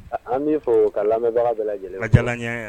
An'i fɔ ka lamɛnbaga bɛɛ lajɛlen ka